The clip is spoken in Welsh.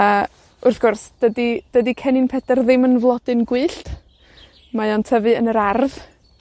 A, wrth gwrs, dydi, dydi Cennin Pedar ddim yn flodyn gwyllt. Mae o'n tyfu yn yr ardd.